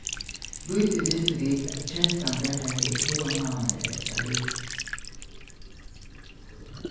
lítið vistu vit at kettan bara hevði fáar mánaðir eftir at liva